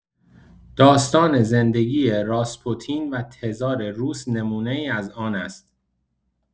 داستان زندگی راسپوتین و تزار روس نمونه‌ای از آن است.